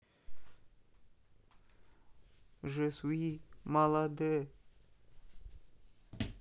же сюи ма ладе